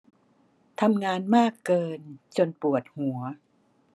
ทำงานมากเกินจนปวดหัว